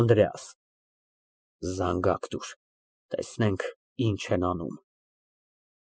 ԱՆԴՐԵԱՍ ֊ Զանգակ տուր, տեսնենք ինչ են անում։